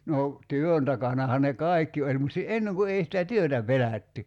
no työn takanahan ne kaikki oli mutta - ennen kun ei sitä työtä pelätty